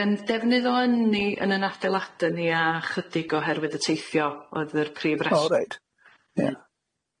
Yym defnydd o ynni yn yn adeiladau ni a chydig oherwydd y teithio oedd yr prif res- O reit. Ia.